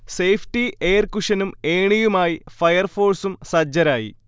safety air കുഷനും ഏണിയുമായി fire ഫോഴ്സും സജ്ജരായി